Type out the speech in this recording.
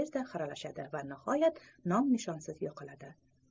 tezda xiralashadi va nihoyat nom nishonsiz yo'qoladi